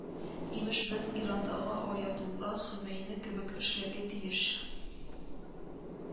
Имеш без Ирандагы Аятулла Хөмәйни кебек эшләргә тиеш